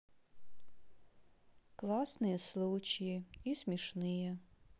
классные случаи и смешные